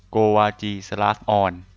โกวาจีสลาฟออน